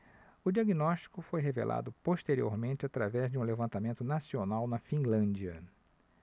o diagnóstico foi revelado posteriormente através de um levantamento nacional na finlândia